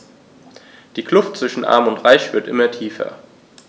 Die Kluft zwischen Arm und Reich wird immer tiefer.